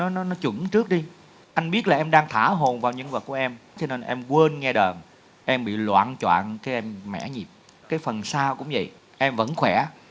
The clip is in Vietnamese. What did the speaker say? nó nó nó chuẩn trước đi anh biết là em đang thả hồn vào nhân vật của em cho nên em quên nghe đàn em bị loạng choạng cái em bị mẻ nhịp cái phần sau cũng vậy em vẫn khỏe